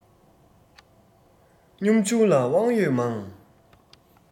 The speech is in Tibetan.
སྙོམས ཆུང ལ དབང ཡོད མང